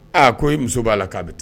Aa ko muso b'a k' a bɛ taa